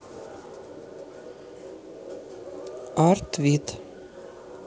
артвид